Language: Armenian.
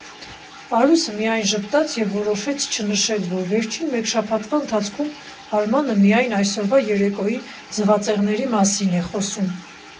Արուսը միայն ժպտաց և որոշեց չնշել, որ վերջին մեկ շաբաթվա ընթացքում Արմանը միայն այսօրվա երեկոյի ձվածեղների մասին է խոսում։